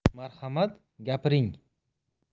marhamat gapiring